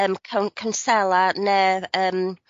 yn con- cownsela ne'r yym